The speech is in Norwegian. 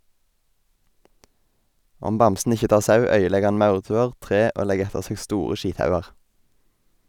Om bamsen ikkje tar sau, øydelegg han maurtuer, tre og legg etter seg store skithaugar.